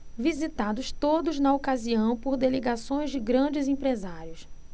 visitados todos na ocasião por delegações de grandes empresários